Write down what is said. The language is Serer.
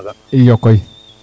iyo koy